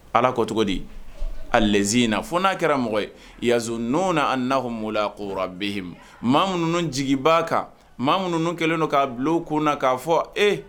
Ala ko cogodi a lajɛz in na fo n'a kɛra mɔgɔ ye yaz n'o na'a fɔ'la obeyi mɔgɔ minnuunu jigiba kan mɔgɔ minnu kɛlen don k'a bila o ko na k'a fɔ e